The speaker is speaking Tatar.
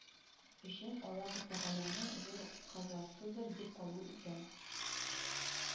Өчен аллаһы тәгаләнең зур казасыдыр дип кабул итәм